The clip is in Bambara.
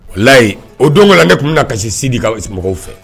Layi o don ne tun bɛ na kasisi si di ka mɔgɔw fɛ